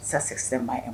San sigi se maa ye